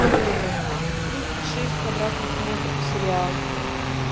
тридцать шесть квадратных метров сериал